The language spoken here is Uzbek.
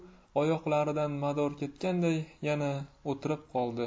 oyoqlaridan mador ketganday yana o'tirib qoldi